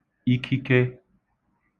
ikike